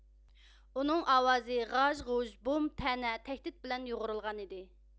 ئۇنىڭ ئاۋازى غاژ غۇژ بوم تەنە تەھدىت بىلەن يۇغۇرۇلغانىدى